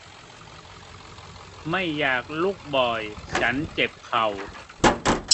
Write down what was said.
ไม่อยากลุกบ่อยฉันเจ็บเข่า